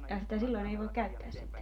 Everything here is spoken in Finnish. jaa sitä silloin ei voi käyttää sitten